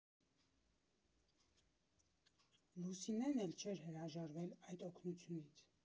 Լուսինեն էլ չէր հրաժարվել այդ օգնությունից։